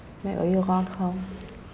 mẹ có yêu con không